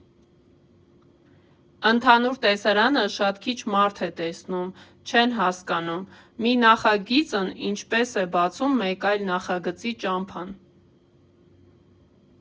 Ընդհանուր տեսարանը շատ քիչ մարդ է տեսնում, չեն հասկանում՝ մի նախագիծն ինչպես է բացում մեկ այլ նախագծի ճամփան։